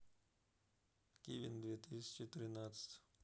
кивин две тысячи тринадцать